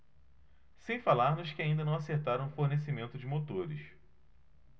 sem falar nos que ainda não acertaram o fornecimento de motores